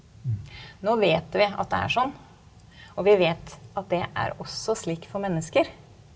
nå vet vi at det er sånn og vi vet at det er også slik for mennesker.